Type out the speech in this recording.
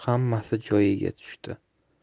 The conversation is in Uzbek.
xammasi joyiga tushdi